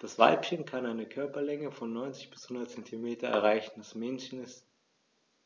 Das Weibchen kann eine Körperlänge von 90-100 cm erreichen; das Männchen